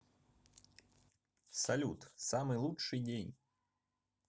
салют самый лучший день